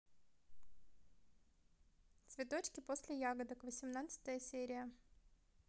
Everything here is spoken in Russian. цветочки после ягодок восемнадцатая серия